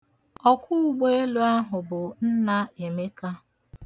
Ọkwọụgbọelu ahụ bụ nna Emeka.